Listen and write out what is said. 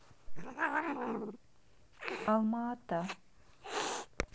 алма ата